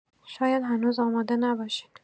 شاید هنوز آماده نباشید.